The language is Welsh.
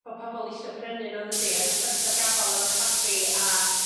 bo' pobol isio prynu n'w dydi achos 'dach chi isio gafal yn 'ych babi a